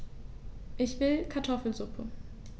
Ich will Kartoffelsuppe.